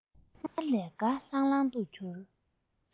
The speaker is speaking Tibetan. སྔར ལས དགའ ལྷང ལྷང གྱུར